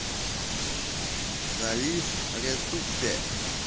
залив ритуле